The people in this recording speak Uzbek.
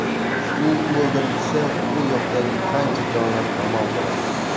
u o'ldirilsa bu yoqdagi qancha jonlar omon qoladi